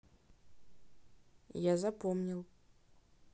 я запомнил